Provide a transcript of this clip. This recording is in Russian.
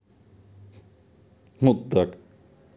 мудак